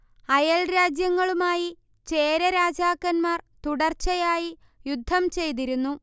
അയൽ രാജ്യങ്ങളുമായി ചേര രാജാക്കന്മാർ തുടർച്ചയായി യുദ്ധം ചെയ്തിരുന്നു